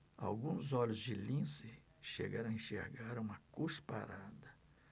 alguns olhos de lince chegaram a enxergar uma cusparada